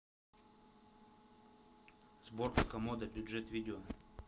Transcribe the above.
сборка комода бюджет видео